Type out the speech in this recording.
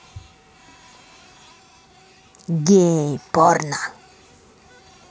гей порно